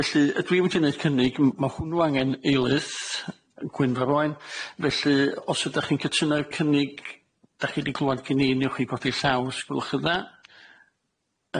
Felly ydw i wedi neud cynnig m- ma' hwnnw angen eilydd, Gwynfor Owen, felly os ydach chi'n cytuno i'r cynnig dach chi 'di clŵad gin i newch chi godi llaw s' gwylwch yn dda?